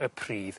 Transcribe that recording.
y pridd